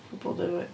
Pobl defaid.